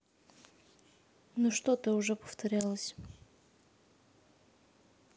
ну что ты уже повторялась